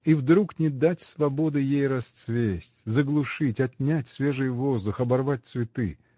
И вдруг не дать свободы ей расцвесть: заглушить, отнять свежий воздух, оборвать цветы.